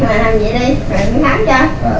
rồi nằm zậy đi để tôi khám cho